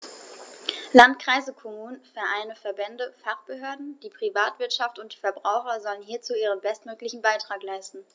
Landkreise, Kommunen, Vereine, Verbände, Fachbehörden, die Privatwirtschaft und die Verbraucher sollen hierzu ihren bestmöglichen Beitrag leisten.